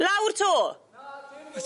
Lawr 'to. Na ddim mwy.